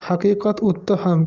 haqiqat o'tda ham